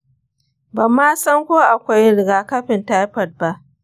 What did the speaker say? ban ma san ko akwai rigakafin taifoid ba.